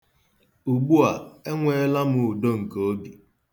Ugbua, enweela m udo nke obi.